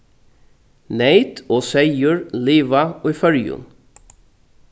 neyt og seyður liva í føroyum